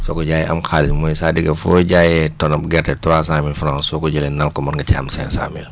soo ko jaayee am xaalis mooy c' est à dire que foo jayee tonne am gerte trois cent mille fran soo ko jëlee nal ko mën nga cee am cinq cent mille